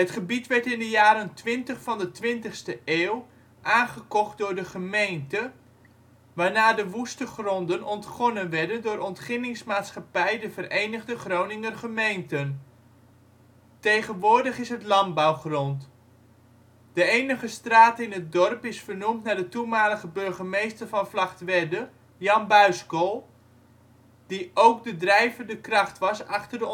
gebied werd in de jaren twintig van de twintigste eeuw aangekocht door de gemeente, waarna de woeste gronden ontgonnen werden door Ontginningsmaatschappij De Verenigde Groninger Gemeenten. Tegenwoordig is het landbouwgrond. De enige straat in het dorp is vernoemd naar de toenmalige burgemeester van Vlagtwedde: Jan Buiskool, die ook de drijvende kracht was achter